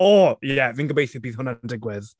O! Ie! Fi'n gobeithio bydd hwnna'n digwydd.